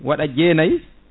waɗa jeenayyi